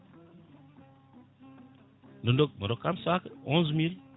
nde dok mi rokkama sac onze mille